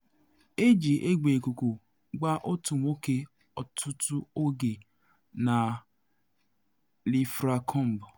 Eji egbe ikuku gbaa otu nwoke ọtụtụ oge na llfracombe